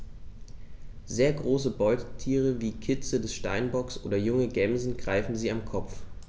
Sehr große Beutetiere wie Kitze des Steinbocks oder junge Gämsen greifen sie am Kopf.